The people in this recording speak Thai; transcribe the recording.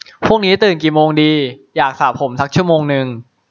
พรุ่งนี้ตื่นกี่โมงดีอยากสระผมซักชั่วโมงนึง